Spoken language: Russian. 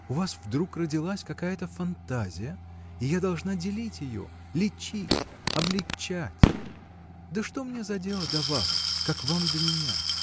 У вас вдруг родилась какая-то фантазия — и я должна делить ее, лечить, облегчать: да что мне за дело до вас, как вам до меня?